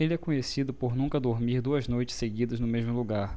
ele é conhecido por nunca dormir duas noites seguidas no mesmo lugar